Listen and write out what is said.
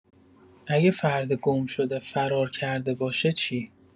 اگه فرد گم‌شده فرار کرده باشه چی؟